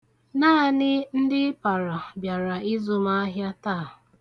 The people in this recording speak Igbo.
Naanị ndị ịpara bịara ịzụ m ahịa taa.